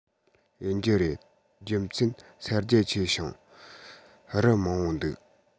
ཡིན རྒྱུ རེད རྒྱུ མཚན ས རྒྱ ཆེ ཞིང རི མང པོ འདུག